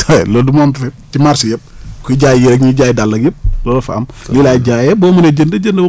te loolu de moo am fépp si marché yëpp kuy jaay yére ñiy jaay dàll ak yëpp looloo fa am lii laay jaayee boo mënee jënd boo